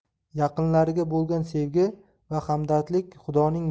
yaqinlariga bo'lgan sevgi va hamdardlik xudoning